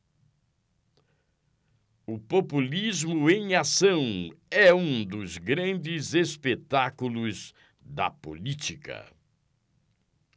o populismo em ação é um dos grandes espetáculos da política